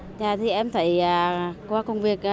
à thì em thấy à qua công việc